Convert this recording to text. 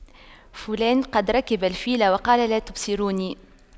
فلان قد ركب الفيل وقال لا تبصروني